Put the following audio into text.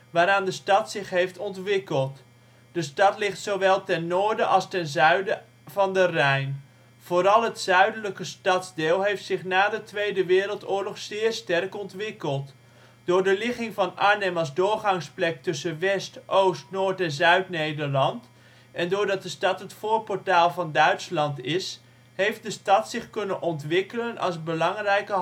waaraan de stad zich heeft ontwikkeld. De stad ligt zowel ten noorden als ten zuiden van de Rijn. Vooral het zuidelijke stadsdeel heeft zich na de Tweede Wereldoorlog zeer sterk ontwikkeld. Door de ligging van Arnhem als doorgangsplek tussen West -, Oost -, Noord - en Zuid-Nederland, en doordat de stad het voorportaal van Duitsland is, heeft de stad zich kunnen ontwikkelen als belangrijke